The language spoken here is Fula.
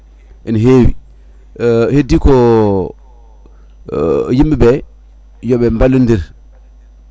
ene hewi heddi ko yimɓeɓe yooɓe ballodir